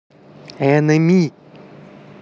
enemy